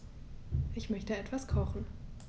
Ich möchte etwas kochen.